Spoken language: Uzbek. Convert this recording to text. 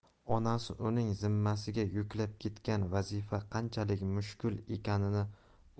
onasi uning zimmasiga yuklab ketgan vazifa qanchalik